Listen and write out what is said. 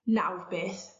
nawr beth?